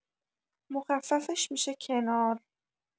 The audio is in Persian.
مخففش می‌شه «کنار»